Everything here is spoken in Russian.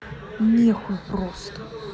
нехуй просто